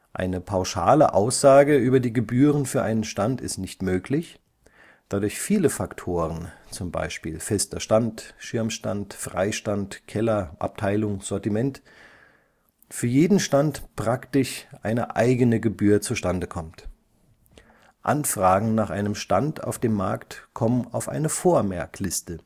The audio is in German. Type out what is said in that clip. Eine pauschale Aussage über die Gebühren für einen Stand ist nicht möglich, da durch viele Faktoren (fester Stand, Schirmstand, Freistand, Keller, Abteilung, Sortiment) für jeden Stand praktisch eine eigene Gebühr zustande kommt. Anfragen nach einem Stand auf dem Markt kommen auf eine Vormerkliste